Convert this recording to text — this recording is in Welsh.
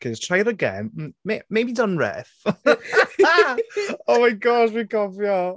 Ok let's try it again m- ma- maybe don't riff. Oh my gosh fi'n cofio.